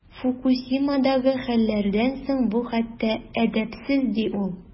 Фукусимадагы хәлләрдән соң бу хәтта әдәпсез, ди ул.